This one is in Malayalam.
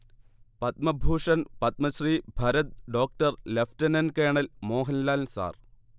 പത്മഭൂഷൺ പത്മശ്രീ ഭരത്ഡോക്ടർ ലെഫ്റ്റനന്റ് കേണൽ മോഹൻലാൽ സാർ